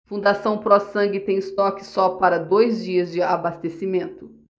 fundação pró sangue tem estoque só para dois dias de abastecimento